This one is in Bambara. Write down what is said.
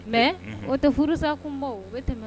Mɛ o tɛ furusa kunbaw o bɛ tɛmɛ